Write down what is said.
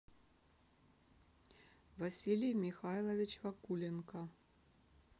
василий михайлович вакуленко